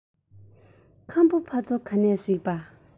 ཁམ བུ ཕ ཚོ ག ནས གཟིགས པ